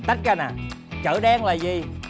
tách ra nà chợ đen là gì